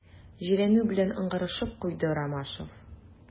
Җирәнү белән ыңгырашып куйды Ромашов.